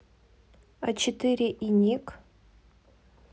а четыре и ник